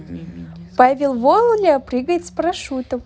павел воля прыгает с парашютом